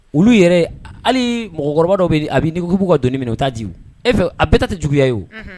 Olu yɛrɛ hali mɔgɔkɔrɔba dɔw bɛ yen, a bɛ k'i k''u ka don minɛ u t taa di, e fɛ, a bɛɛ ta tɛ juguya ye o!